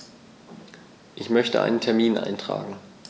Ich möchte einen Termin eintragen.